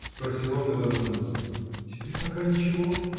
– спросил он и задумался, – теперь пока ничего.